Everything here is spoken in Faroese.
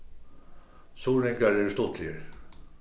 suðuroyingar eru stuttligir